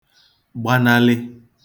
gbanalị